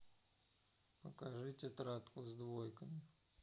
покажи тетрадку с двойками